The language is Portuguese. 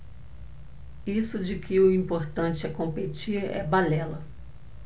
isso de que o importante é competir é balela